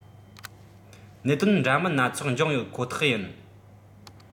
གནད དོན འདྲ མིན སྣ ཚོགས འབྱུང ཡོད ཁོ ཐག ཡིན